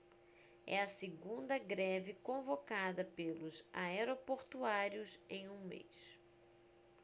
é a segunda greve convocada pelos aeroportuários em um mês